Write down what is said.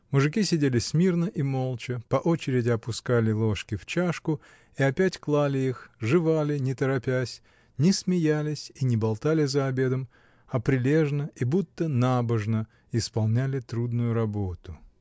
Мужики сидели смирно и молча, по очереди опускали ложки в чашку и опять клали их, жевали, не торопясь, не смеялись и не болтали за обедом, а прилежно и будто набожно исполняли трудную работу.